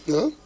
waaw